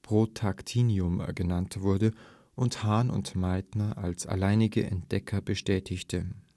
Protactinium genannt wurde und Hahn und Meitner als alleinige Entdecker bestätigte